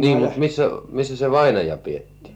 niin mutta missä missä se vainaja pidettiin